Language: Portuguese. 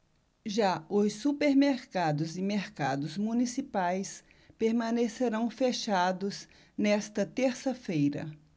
já os supermercados e mercados municipais permanecerão fechados nesta terça-feira